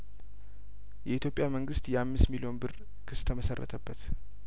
የኢትዮጵያ መንግስት የአምስት ሚልዮን ብር ክስ ተመሰረተበት